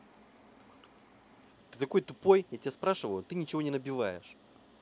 ты такой тупой я тебя спрашиваю а ты ничего не набиваешь